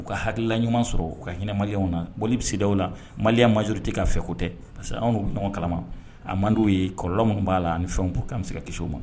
U ka hakilila ɲuman sɔrɔ u ka hinɛmaw na bɔ bɛ seda u la maliya majri tɛ k'a fɛ ko tɛ parce que anw' ɲɔgɔn kalama a man' ye kɔlɔlɔnlɔ minnu b'a la ni fɛnw'' bɛ se ka kiw ma